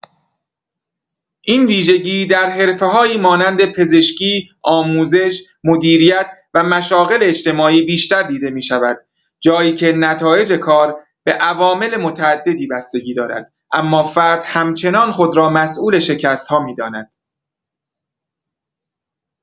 این ویژگی در حرفه‌هایی مانند پزشکی، آموزش، مدیریت و مشاغل اجتماعی بیشتر دیده می‌شود، جایی که نتایج کار به عوامل متعددی بستگی دارد، اما فرد همچنان خود را مسئول شکست‌ها می‌داند.